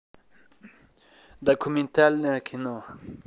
документальное кино